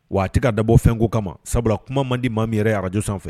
Wa a tɛ ka dabɔfɛn ko kama sabula kuma man di maa mi yɛrɛ araraj sanfɛ fɛ